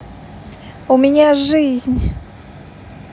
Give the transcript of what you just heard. у меня жизнь